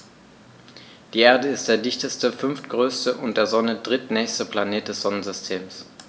Die Erde ist der dichteste, fünftgrößte und der Sonne drittnächste Planet des Sonnensystems.